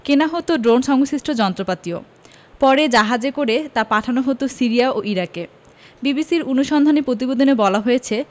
কেনা হতো ড্রোন সংশ্লিষ্ট যন্ত্রপাতিও পরে জাহাজে করে তা পাঠানো হতো সিরিয়া ও ইরাকে বিবিসির অনুসন্ধানী পতিবেদনে বলা হয়েছে